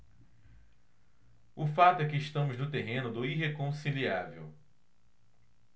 o fato é que estamos no terreno do irreconciliável